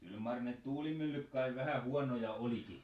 kyllä mar ne tuulimyllyt kai vähän huonoja olikin